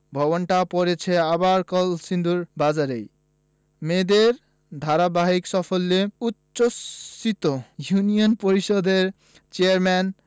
ভবনটা পড়েছে আবার কলসিন্দুর বাজারেই মেয়েদের ধারাবাহিক সাফল্যে উচ্ছ্বসিত ইউনিয়ন পরিষদের চেয়ারম্যান